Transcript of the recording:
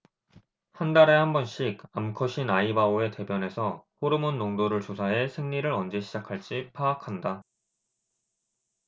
한 달에 한 번씩 암컷인 아이바오의 대변에서 호르몬 농도를 조사해 생리를 언제 시작할지 파악한다